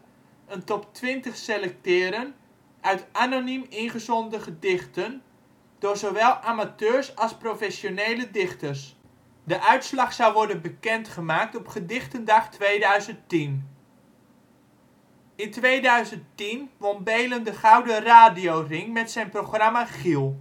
twintig selecteren uit anoniem ingezonden gedichten, door zowel amateurs als professionele dichters; de uitslag zou worden bekendgemaakt op gedichtendag 2010. In 2010 won Beelen De Gouden RadioRing met zijn programma GIEL